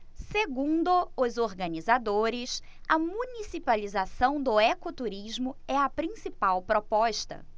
segundo os organizadores a municipalização do ecoturismo é a principal proposta